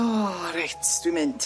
O reit dwi'n mynd.